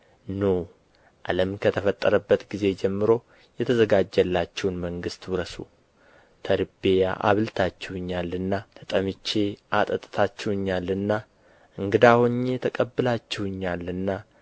ኑ ዓለም ከተፈጠረበት ጊዜ ጀምሮ የተዘጋጀላችሁን መንግሥት ውረሱ ተርቤ አብልታችሁኛልና ተጠምቼ አጠጥታችሁኛልና እንግዳ ሆኜ ተቀብላችሁኛልና